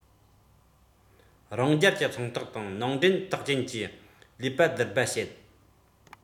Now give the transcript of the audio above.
རང རྒྱལ གྱི ཚོང རྟགས དང ནང འདྲེན རྟགས ཅན གྱིས ལས པ བསྡུར པ བྱེད